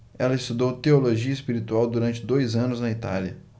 ela estudou teologia espiritual durante dois anos na itália